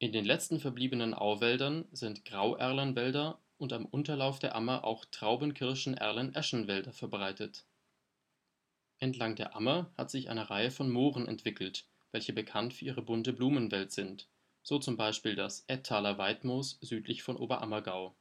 den letzten verbliebenen Auwäldern sind Grauerlenwälder und am Unterlauf der Amper auch Traubenkirschen-Erlen-Eschenwälder verbreitet. Entlang der Ammer hat sich eine Reihe von Mooren entwickelt, welche bekannt für ihre bunte Blumenwelt sind, so zum Beispiel das Ettaler Weidmoos südlich von Oberammergau